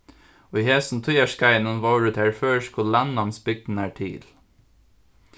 í hesum tíðarskeiðinum vórðu tær føroysku landnámsbygdirnar til